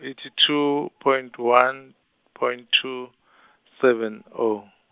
eighty two, point one, point two, seven oh.